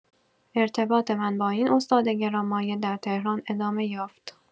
ارتباط من با این استاد گرانمایه در تهران ادامه یافت.